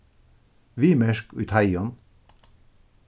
viðmerk í teigin